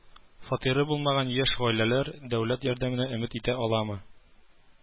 Фатиры булмаган яшь гаиләләр дәүләт ярдәменә өмет итә аламы